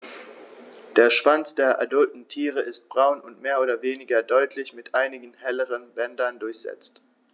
Der Schwanz der adulten Tiere ist braun und mehr oder weniger deutlich mit einigen helleren Bändern durchsetzt.